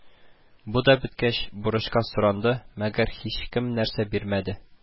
Бу да беткәч, бурычка соранды, мәгәр һичкем нәрсә бирмәде